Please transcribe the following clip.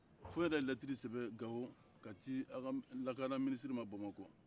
fo ne yɛrɛ ye lɛtiri sɛbɛn gawo ka ci aw ka lakana minisiri ma bamakɔ